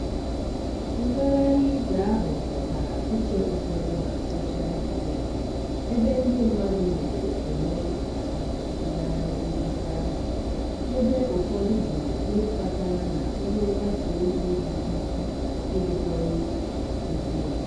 Ngagharị ije ahụ dọtara uche ụfọdụ na soshaa midia ebe ndị mmadụ nyere ekele maka njem ngagharị ngosi ahụ ebe ụfọdụ jụrụ ihe kpatara na ndị mgbasa ozi bụ isi edekọghị ma gosi ya.